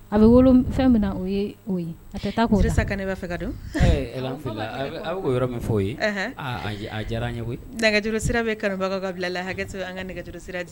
A bɛ wolo fɛn min na o y'o ye, a t k'o dan, Dirisa Kanɛ bɛ ka don, ɛɛ alhamdulilaahi a bɛ k'o yɔrɔ min o ye, ahan, aa a diyara n ye koyi, nɛgɛjura sira bɛ kanu, bagaw ka bila la hakɛ an ka nɛgɛjuru sira